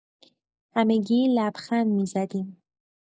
همگی لبخند می‌زدیم.